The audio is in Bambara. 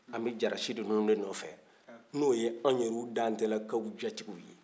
an bɛ jarasi ninnu de nɔfɛ n'o ye an yɛrɛ dantɛlakaw jatigiw ye